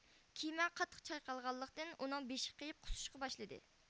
كېمە قاتتىق چايقالغانلىقتىن ئۇنىڭ بېشى قېيىپ قۇسۇشقا باشلىدى